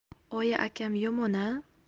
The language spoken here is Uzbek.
oyi akam yomon a